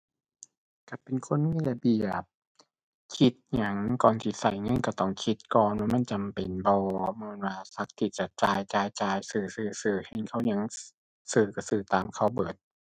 ก็เป็นคนมีระเบียบ คิดหยังก่อนสิก็เงินก็ต้องคิดก่อนว่ามันจำเป็นบ่ บ่แม่นว่าสักที่จะจ่ายจ่ายซื้อซื้อซื้อ เห็นเขาหยังซื้อก็ซื้อตามเขาเบิด